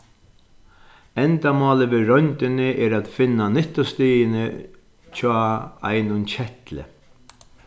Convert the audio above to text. endamálið við royndini er at finna nyttustigini hjá einum ketli